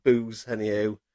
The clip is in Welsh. Bŵs hynny yw.